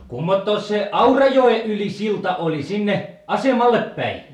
kummottoon se Aurajoen yli silta oli sinne asemalle päin